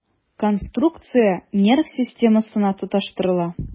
Конструкция нерв системасына тоташтырыла.